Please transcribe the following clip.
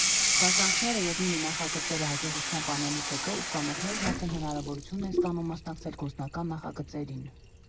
Վարժանքները և մինի֊նախագծերը հաջողությամբ անելուց հետո ուսանողներն արդեն հնարավորություն են ստանում մասնակցել գործնական նախագծերին։